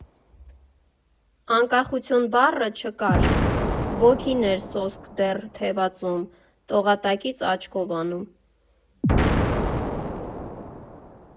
«անկախություն» բառը չկար, ոգին էր սոսկ դեռ թևածում, տողատակից աչքով անում։